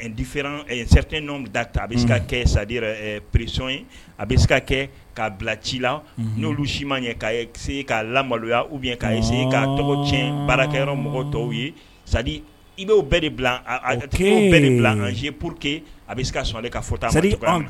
Re' bila ci n'olua la maloyakɛ tɔw ye i bɛ bɛɛ de bila bila anze pur quete a bɛ se ka son ka fɔta an